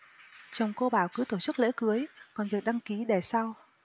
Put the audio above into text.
chồng cô bảo cứ tổ chức lễ cưới còn việc đăng ký để sau